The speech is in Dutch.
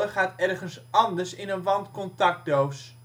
gaat ergens anders in een wandcontactdoos